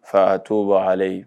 Fatu baleyi